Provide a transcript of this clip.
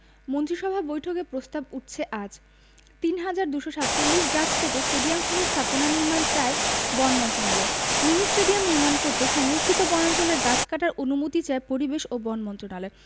মন্ত্রিসভা বৈঠকে প্রস্তাব উঠছে আজ ৩২৪৭ গাছ কেটে স্টেডিয়ামসহ স্থাপনা নির্মাণ চায় বন মন্ত্রণালয় মিনি স্টেডিয়াম নির্মাণ করতে সংরক্ষিত বনাঞ্চলের গাছ কাটার অনুমতি চায় পরিবেশ ও বন মন্ত্রণালয়